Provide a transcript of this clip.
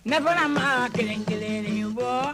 Ne bɔra ma kelen kelenlen bɔ